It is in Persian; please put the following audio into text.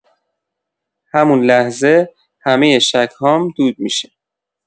همون لحظه، همۀ شک‌هام دود می‌شه.